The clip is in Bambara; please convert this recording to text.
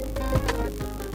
San